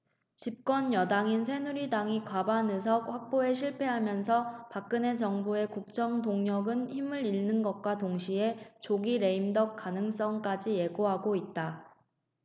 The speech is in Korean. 집권여당인 새누리당이 과반의석 확보에 실패하면서 박근혜 정부의 국정 동력은 힘을 잃는 것과 동시에 조기 레임덕 가능성까지 예고하고 있다